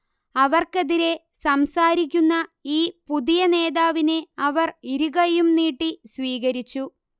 അവർക്കെതിരേ സംസാരിക്കുന്ന ഈ പുതിയ നേതാവിനെ അവർ ഇരുകൈയ്യും നീട്ടി സ്വീകരിച്ചു